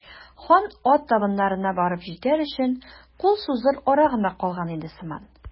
Хан ат табыннарына барып җитәр өчен кул сузыр ара гына калган иде сыман.